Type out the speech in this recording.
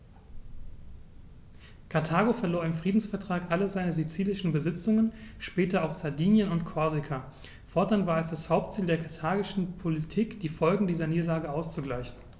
Karthago verlor im Friedensvertrag alle seine sizilischen Besitzungen (später auch Sardinien und Korsika); fortan war es das Hauptziel der karthagischen Politik, die Folgen dieser Niederlage auszugleichen.